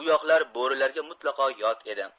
u yoqlar bo'rilarga mutlaqo yot edi